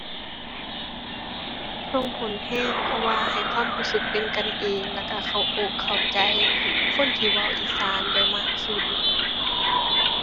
ส่งผลแรง เพราะว่าให้ความแรงสึกเป็นกันเอง แล้วแรงเข้าอกเข้าใจคนที่เว้าอีสานได้มากขึ้น